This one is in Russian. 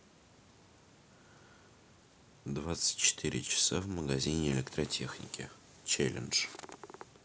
двадцать четыре часа в магазине электротехники челлендж